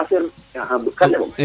*